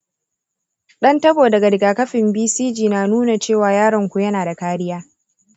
ɗan tabo daga rigakafin bcg na nuna cewa yaronku yana da kariya.